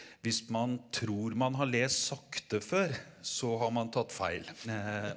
hvis man tror man har lest sakte, før så har man tatt feil .